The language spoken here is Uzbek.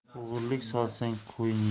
o'g'irlik solsang qo'yningga